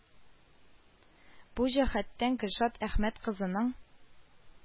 Бу җәһәттән гөлшат әхмәт кызының